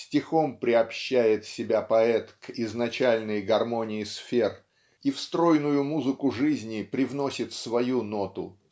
стихом приобщает себя поэт к изначальной гармонии сфер и в стройную музыку жизни привносит свою ноту